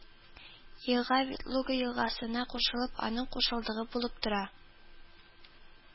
Елга Ветлуга елгасына кушылып, аның кушылдыгы булып тора